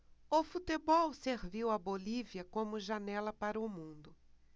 o futebol serviu à bolívia como janela para o mundo